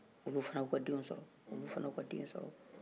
oluw fana ye u ka denw sɔrɔ oluw fana ye u ka den sɔrɔ